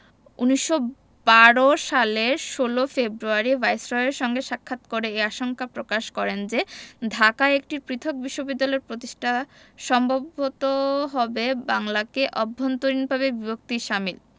১৯১২ সালের ১৬ ফেব্রুয়ারি ভাইসরয়ের সঙ্গে সাক্ষাৎ করে এ আশঙ্কা প্রকাশ করেন যে ঢাকায় একটি পৃথক বিশ্ববিদ্যালয় প্রতিষ্টা সম্ভবত হবে বাংলাকে অভ্যন্তরীণভাবে বিভক্তির শামিল